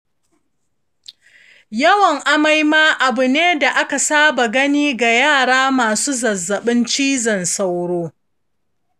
yawan amai ma abu ne da aka saba gani ga yara masu zazzabin cizon sauro.